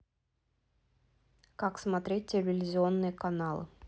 как смотреть телевизионные каналы